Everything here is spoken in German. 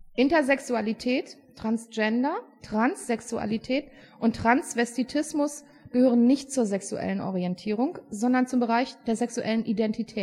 Intersexualität, Transgender, Transsexualität und Transvestitismus gehören nicht zur sexuellen Orientierung, sondern zum Bereich der sexuellen Identität